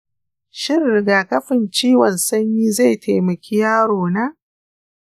shin rigakafin ciwon sanyi zai taimaki yaro na?